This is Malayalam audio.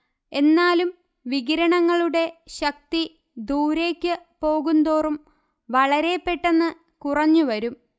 എന്നാലും വികിരണങ്ങളുടെ ശക്തി ദൂരേയ്ക്ക് പോകുന്തോറും വളരെപ്പെട്ടെന്ന് കുറഞ്ഞുവരും